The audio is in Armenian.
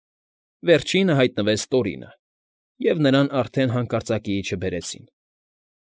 Վերջինը հայտնվեց Տորինը, և նրան արդեն հանկարծակիի չբերեցին։